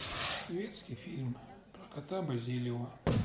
советский фильм про кота базилио